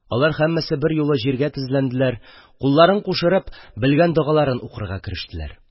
Алар һәммәсе берьюлы җиргә тезләнделәр, кулларын кушырып, белгән догаларын укырга керештеләр.